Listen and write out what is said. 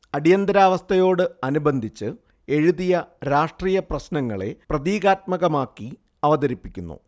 അടിയന്തരാവസ്ഥയോട് അനുബന്ധിച്ച് എഴുതിയ രാഷ്ട്രീയപ്രശ്നങ്ങളെ പ്രതീകാത്മകമാക്കി അവതരിപ്പിക്കുന്നു